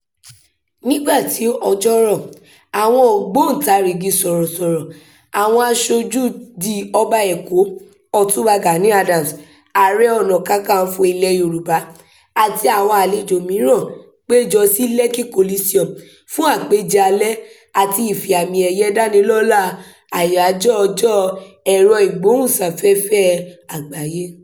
Ní ìgbàtí ọjọ́ rọ̀, àwọn ògbóǹtarìgì sọ̀rọ̀sọ̀rọ̀, àwọn aṣojú the Ọba Èkó, Ọ̀túnba Gani Adams, Ààrẹ Ọ̀nà Kakanfò ilẹ̀ẹ Yorùbá àti àwọn àlejò mìíràn péjọ sí Lekki Coliseum fún àpèjẹ alẹ́ àti ìfàmìẹ̀yẹ dánilọ́lá Àyájọ́ Ọjọ́ Ẹ̀rọ-ìgbóhùnsáfẹ́fẹ́ Àgbáyé.